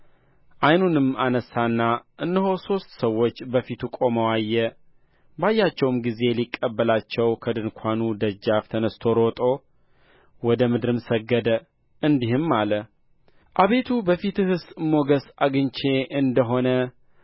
ዓይኑንም አነሣና እነሆ ሦስት ሰዎች በፊቱ ቆመው አየ ባያቸውም ጊዜ ሊቀበላቸው ከድንኳኑ ደጃፍ ተነሥቶ ሮጠ ወደ ምድርም ሰገደ እንዲህም አለ አቤቱ በፊትህስ ሞገስ አግኝቼ እንደ ሆነ